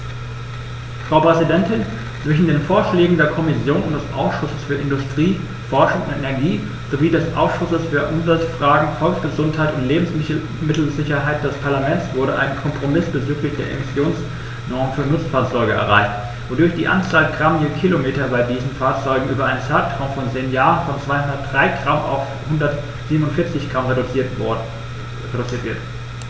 Frau Präsidentin, zwischen den Vorschlägen der Kommission und des Ausschusses für Industrie, Forschung und Energie sowie des Ausschusses für Umweltfragen, Volksgesundheit und Lebensmittelsicherheit des Parlaments wurde ein Kompromiss bezüglich der Emissionsnormen für Nutzfahrzeuge erreicht, wodurch die Anzahl Gramm je Kilometer bei diesen Fahrzeugen über einen Zeitraum von zehn Jahren von 203 g auf 147 g reduziert wird.